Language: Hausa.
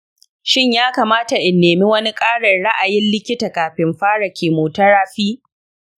shin ya kamata in nemi wani ƙarin ra’ayin likita kafin fara chemotherapy?